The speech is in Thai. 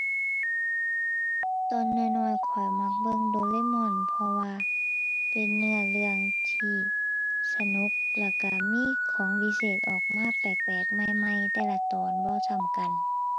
ตอนน้อยน้อยข้อยมักเบิ่งโดเรม่อน เพราะว่าเป็นเนื้อเรื่องที่สนุก แล้วก็มีของวิเศษออกมาแปลกแปลกใหม่ใหม่แต่ละตอนบ่ซ้ำกัน